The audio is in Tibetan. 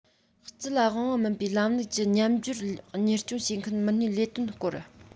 སྤྱི ལ དབང བ མིན པའི ལམ ལུགས ཀྱི དཔལ འབྱོར གཉེར སྐྱོང བྱེད མཁན མི སྣའི ལས དོན སྐོར